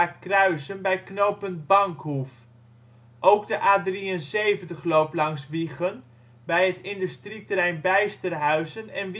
kruisen bij knooppunt Bankhoef. Ook de A73 loopt langs Wijchen, bij het industrieterrein Bijsterhuizen en